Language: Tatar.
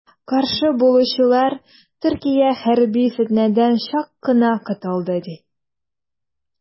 Каршы булучылар, Төркия хәрби фетнәдән чак кына котылды, ди.